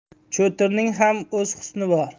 cho'tirning ham o'z husni bor